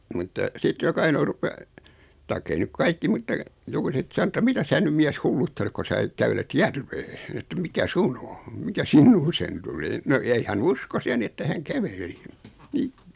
mutta sitten joka ainoa rupesi tai ei nyt kaikki mutta jokuset sanoi että mitä sinä nyt mies hulluttelet kun sinä nyt kävelet järveen että mikä sinun on mikä sinuun tuli no ei hän uskoisi ja niin että hän käveli niin